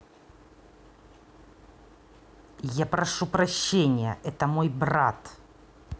я прошу прощения это мой брат